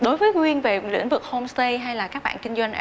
đối với nguyên vẹn lĩnh vực hôn say hay là các bạn kinh doanh